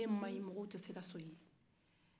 ee maɲi mɔgɔ tɛ se ka sɔn i ye